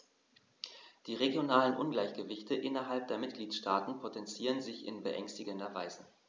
Die regionalen Ungleichgewichte innerhalb der Mitgliedstaaten potenzieren sich in beängstigender Weise.